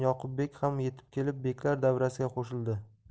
yoqubbek ham yetib kelib beklar davrasiga qo'shildi